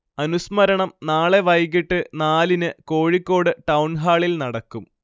അനുസ്മരണം നാളെ വൈകിട്ട് നാലിന് കോഴിക്കോട് ടൗൺഹാളിൽ നടക്കും